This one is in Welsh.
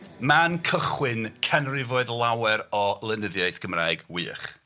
Man cychwyn canrifoedd lawer o lenyddiaeth Gymraeg wych.